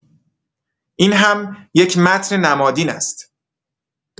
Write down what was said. این هم یک متن نمادین است.